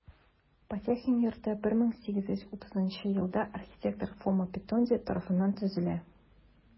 Потехин йорты 1830 елда архитектор Фома Петонди тарафыннан төзелә.